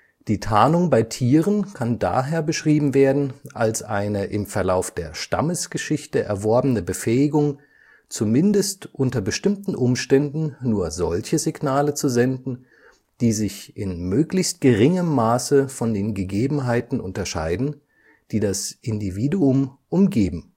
Die Tarnung bei Tieren kann daher beschrieben werden als eine im Verlauf der Stammesgeschichte erworbene Befähigung, zumindest unter bestimmten Umständen nur solche Signale zu senden, die sich in möglichst geringem Maße von den Gegebenheiten unterscheiden, die das Individuum umgeben